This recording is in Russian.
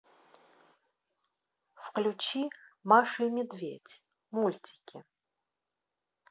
включи маша и медведь мультики